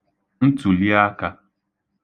ntụ̀liakā